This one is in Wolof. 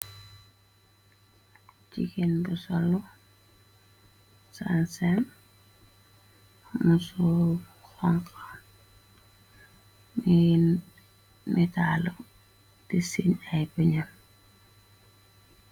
Jigeen bu sollu sansem musur honkon miin metalu disin ay binar.